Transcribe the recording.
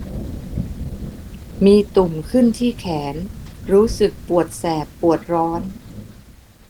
มีตุ่มขึ้นที่แขนรู้สึกปวดแสบปวดร้อน